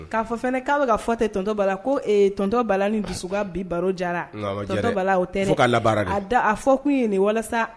K'a fɔ fana k'a bɛ ka fɔ tɛ ttɔ bala ko ttɔ bala ni dusuka bi baro jaratɔ tɛ a fɔ kun ɲini walasa